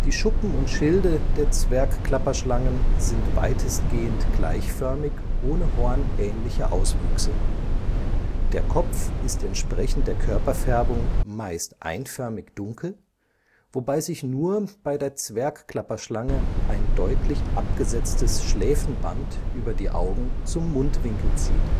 Schuppen und Schilde der Zwergklapperschlangen sind weitestgehend gleichförmig ohne hornähnliche Auswüchse. Der Kopf ist entsprechend der Körperfärbung meist einförmig dunkel, wobei sich nur bei der Zwergklapperschlange ein deutlich abgesetztes Schläfenband über die Augen zum Mundwinkel zieht